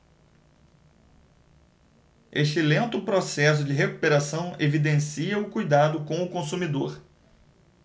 este lento processo de recuperação evidencia o cuidado com o consumidor